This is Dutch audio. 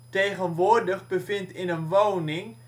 Tegenwoordig bevindt in een woning